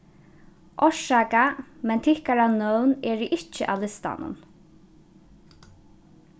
orsaka men tykkara nøvn eru ikki á listanum